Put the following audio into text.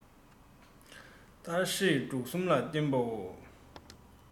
གཏར སྲེག བྱུག གསུམ ལ བརྟེན པའོ